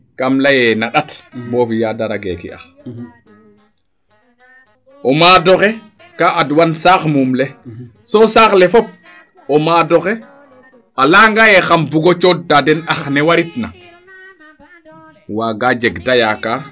kam leyee na ndat bo fiya dara geeki ax o maadoxe kaa adwan saax muum le so saax le fop o maadoxe a leya ngaa dene xam bugo cooxta den ax ne warit na waaga jeg ta yaakaar